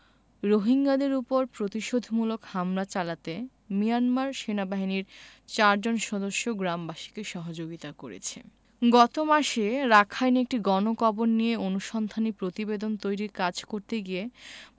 রোহিঙ্গাদের ওপর প্রতিশোধমূলক হামলা চালাতে মিয়ানমার সেনাবাহিনীর চারজন সদস্য গ্রামবাসীকে সহযোগিতা করেছে গত মাসে রাখাইনে একটি গণকবর নিয়ে অনুসন্ধানী প্রতিবেদন তৈরির কাজ করতে গিয়ে